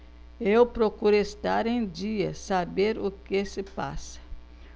eu procuro estar em dia saber o que se passa